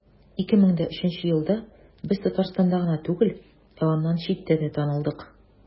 2003 елда без татарстанда гына түгел, ә аннан читтә дә танылдык.